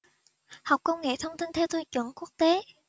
học công nghệ thông tin theo tiêu chuẩn quốc tế